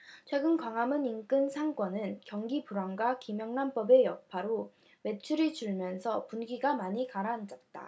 최근 광화문 인근 상권은 경기 불황과 김영란법의 여파로 매출이 줄면서 분위기가 많이 가라앉았다